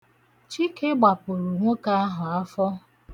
Chike gbapụrụ nwoke ahụ afọ.